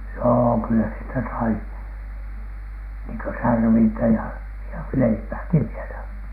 joo kyllä sieltä sai niin kuin särvintä ja ja leipääkin vielä